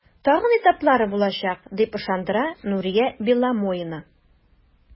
Тагын этаплары булачак, дип ышандыра Нурия Беломоина.